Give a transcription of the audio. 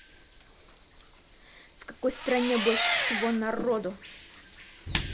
в какой стране больше всего народу